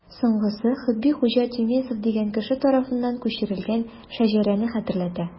Соңгысы Хөббихуҗа Тюмесев дигән кеше тарафыннан күчерелгән шәҗәрәне хәтерләтә.